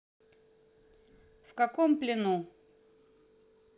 в каком плену